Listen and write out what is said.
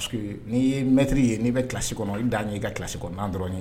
N'i yeetiriri ye n'i bɛ kisi kɔnɔ i d'a ye i ka kilasi kɔnɔ n' dɔrɔn ye